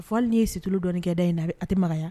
Fɔli' ye situlo dɔnkɛ da in a bɛ a tɛ maraya